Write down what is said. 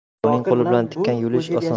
birovning qo'li bilan tikan yulish oson